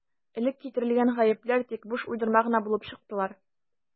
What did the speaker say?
Элек китерелгән «гаепләр» тик буш уйдырма гына булып чыктылар.